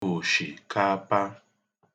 òshìkapa